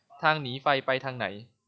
ทางหนีไฟไปทางไหน